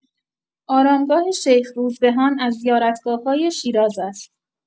آرامگاه شیخ روزبهان از زیارتگاه‌های شیراز است.